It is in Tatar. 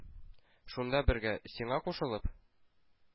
Шунда бергә, сиңа кушылып?